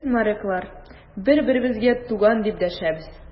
Без, моряклар, бер-беребезгә туган, дип дәшәбез.